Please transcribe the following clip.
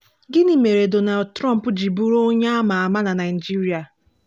Gịnị mere Donald Trump ji bụrụ onye a ma ama na Naịjirịa?